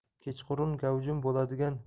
kechqurun gavjum bo'ladigan